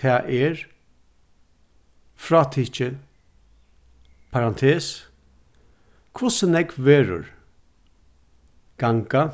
tað er frátikið parantes hvussu nógv verður ganga